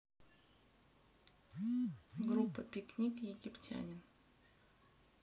группа пикник египтянин